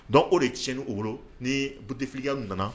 Dɔn o de tiɲɛ o bolo ni butefiliya nana